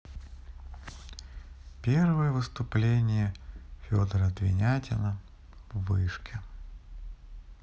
первое выступление федора двинятина в вышке